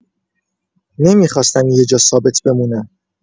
نمی‌خواستم یه جا ثابت بمونم.